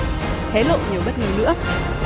hé lộ nhiều bất ngờ nữa